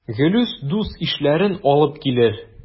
Гелүс дус-ишләрен алып килер.